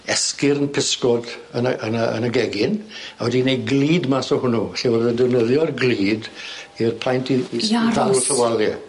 esgyrn pysgod yn y yn y yn y gegin a wedi neu' glud mas o hwnnw 'lly o'dd e'n defnyddio'r glud i'r paent i i... I aros. ...i dal wrth y walie.